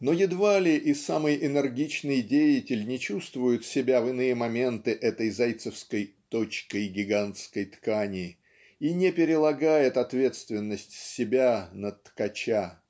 но едва ли и самый энергичный деятель не чувствует себя в иные моменты этой зайцевской "точкой гигантской ткани" и не перелагает ответственности с себя на Ткача.